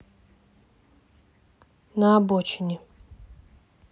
на обочине